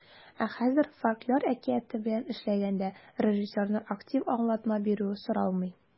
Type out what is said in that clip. Ә хәзергә фольклор әкияте белән эшләгәндә режиссерның актив аңлатма бирүе соралмый.